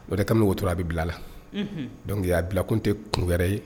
O tɛ tan o tora a bɛ bila la dɔnkuke a bila kun tɛ kun wɛrɛ ye